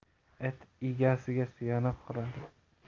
it egasiga suyanib huradi